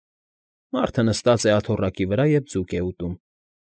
«Մարդը նստած է աթոռակի վրա և ձուկ է ուտում։